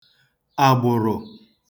àgbụ̀rụ̀